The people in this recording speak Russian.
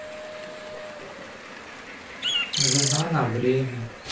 жена на время